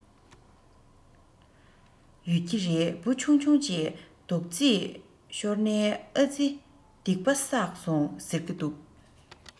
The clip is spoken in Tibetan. ཡིན གྱི རེད འབུ ཆུང ཆུང ཅིག རྡོག རྫིས ཤོར ནའི ཨ རྩི སྡིག པ བསགས སོང ཟེར གྱི འདུག